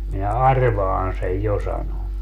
minä arvaan sen jo sanoi